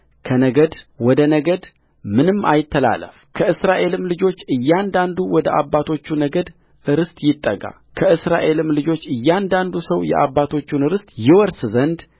ከነገድ ወደ ነገድ ምንም አይተላለፍ ከእስራኤልም ልጆች እያንዳንዱ ወደ አባቶቹ ነገድ ርስት ይጠጋከእስራኤልም ልጆች እያንዳንዱ ሰው የአባቶቹን ርስት ይወርስ ዘንድ